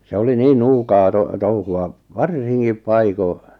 se oli niin nuukaa - touhua varsinkin paikoin